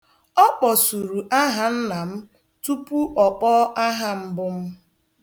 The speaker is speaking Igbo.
Ọ kpọsuru ahanna m tupu ọ kpọọ ahambụ m.